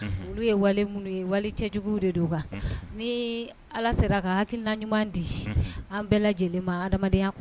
Walijugu ni ala sera ka hakilikiina ɲuman di an bɛɛ lajɛlen adama